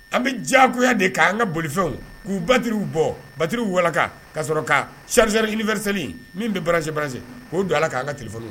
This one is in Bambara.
An bɛ diyaya de k'an ka bolifɛnw k'u batriw bɔ batriw wara ka ka carisɛri wɛrɛs min bɛ barasirase k'o don ala k'an ka tilefi